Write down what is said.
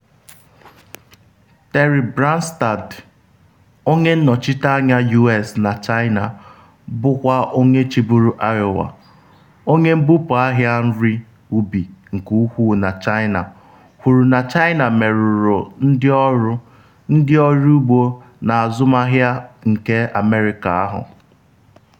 Terry Branstad, onye nnọchite anya U.S na China bụkwa onye chịburu Iowa, onye mbupu ahịa nri ubi nke ukwuu na China, kwuru na China merụrụ ndị ọrụ, ndị ọrụ ugbo na azụmahịa nke America ahụ.